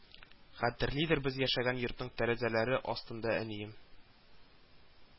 Хәтерлидер без яшәгән йортның тәрәзәләре астында әнием